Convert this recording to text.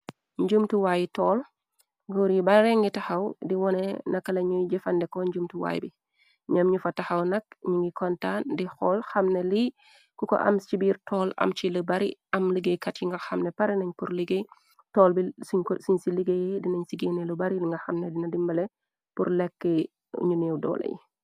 Njumtuwaayi toll goor yi bare ngi taxaw. Di wone nakala ñuy jëfande ko njumtuwaay bi ñam ñu fa taxaw nak ñi ngi kontaa. Di xool xamne li ku ko am ci biir toll am ci lu bari. Am liggéeykat yi nga xamne pare nañ pur liggéey toll bi. Siñ ci liggéey dinañ sigeene lu bari nga xamne dina dimbale pur lekk ñu neew doole yi.